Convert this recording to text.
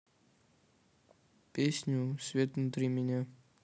песню свет внутри меня